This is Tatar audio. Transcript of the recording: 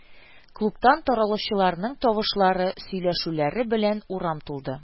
Клубтан таралучыларның тавышлары, сөйләшүләре белән урам тулды